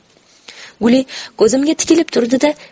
guli ko'zimga tikilib turdi da